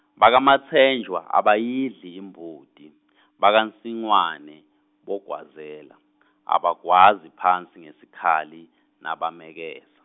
BakaMatsenjwa abayidli imbuti bakaNsingwane boGwazela abagwazi phansi ngesikhali nabamekeza.